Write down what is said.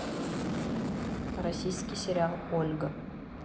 российский сериал ольга